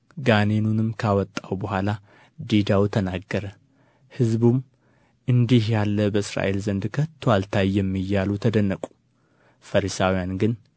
ጋኔኑንም ካወጣው በኋላ ዲዳው ተናገረ ሕዝቡም እንዲህ ያለ በእስራኤል ዘንድ ከቶ አልታየም እያሉ ተደነቁ ፈሪሳውያን ግን